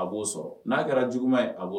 A b'o sɔrɔ, n'a kɛra jugu ma ye, a b'o